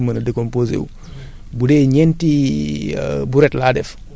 wala urée bu ma amee parce que loolu mooy permettre affaire mën a décomposé wu